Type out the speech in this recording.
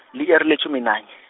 li-iri letjhumi nanye.